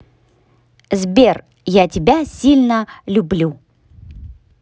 сбер я тебя сильно люблю